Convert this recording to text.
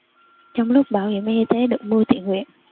trong lúc bảo hiểm y tế được mua tự nguyện